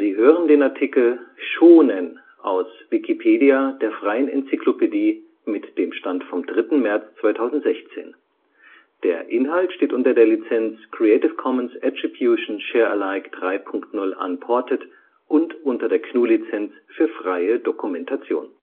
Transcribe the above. hören den Artikel Shōnen, aus Wikipedia, der freien Enzyklopädie. Mit dem Stand vom Der Inhalt steht unter der Lizenz Creative Commons Attribution Share Alike 3 Punkt 0 Unported und unter der GNU Lizenz für freie Dokumentation